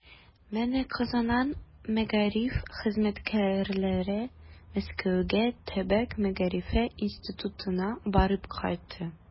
Менә Казаннан мәгариф хезмәткәрләре Мәскәүгә Төбәк мәгарифе институтына барып кайтты.